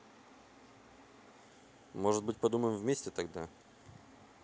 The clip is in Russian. может быть подумаем вместе тогда